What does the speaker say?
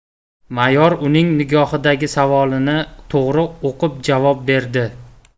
mayor uning nigohidagi savolni to'g'ri uqib javob berdi